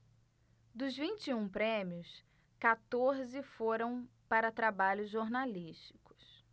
dos vinte e um prêmios quatorze foram para trabalhos jornalísticos